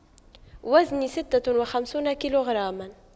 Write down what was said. وزني ستة وخمسون كيلو غراما